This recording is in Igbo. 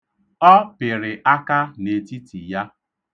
Ọ pịrị aka n'etiti ya.